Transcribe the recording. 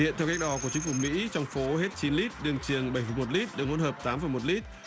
hiện theo cách đo của chính phủ mỹ trong phố hết chín lít đường truyền bảy phẩy một lít đường hỗn hợp tám phẩy một lít